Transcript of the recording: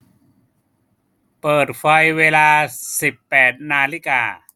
เปิดไฟเวลาสิบแปดนาฬิกา